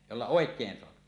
jolla oikein saa